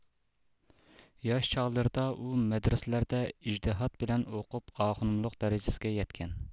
ياش چاغلىرىدا ئۇ مەدرىسىلەردە ئىجتىھات بىلەن ئوقۇپ ئاخونۇملۇق دەرىجىسىگە يەتكەن